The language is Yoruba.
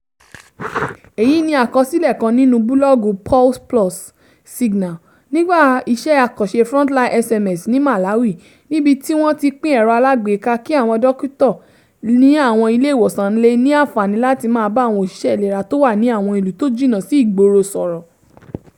Èyí ni àkọsílẹ̀ kan nínu búlọ́ọ̀gù Pulse + Signal nípa iṣẹ́ àkànṣe FrontlineSMS ní Malawi, níbi tí wọ́n ti pín ẹ̀rọ alágbéká kí àwọn dókítà ní àwọn ilé ìwòsàn lè ní anfààní láti máa bá àwọn òṣiṣẹ́ ìlera tó wà ní àwọn ìlú tó jìnnà sí ìgboro ṣọ̀rọ̀.